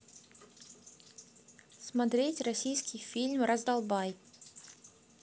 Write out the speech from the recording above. смотреть российский фильм раздолбай